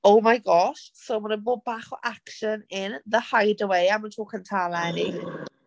Oh my gosh so mae 'na bod bach o action in the hideaway am y tro cyntaf eleni.